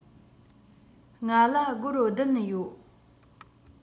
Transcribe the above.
ང ལ སྒོར བདུན ཡོད